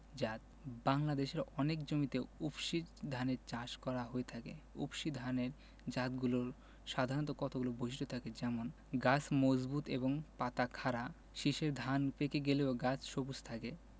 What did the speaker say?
জাতঃ বাংলাদেশের অনেক জমিতে উফশী ধানের চাষ করা হয়ে থাকে উফশী ধানের জাতগুলোর সাধারণ কতগুলো বৈশিষ্ট্য থাকে যেমন গাছ মজবুত এবং পাতা খাড়া শীষের ধান পেকে গেলেও গাছ সবুজ থাকে